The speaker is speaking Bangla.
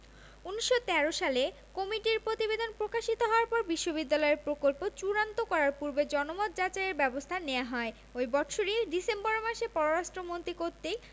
১৯১৩ সালে কমিটির প্রতিবেদন প্রকাশিত হওয়ার পর বিশ্ববিদ্যালয়ের প্রকল্প চূড়ান্ত করার পূর্বে জনমত যাচাইয়ের ব্যবস্থা নেওয়া হয় ঐ বৎসরই ডিসেম্বর মাসে পররাষ্ট্র মন্ত্রী কর্তৃক